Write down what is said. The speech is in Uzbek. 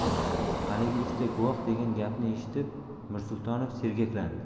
haligi ikkita guvoh degan gapni eshitib mirsultonov sergaklandi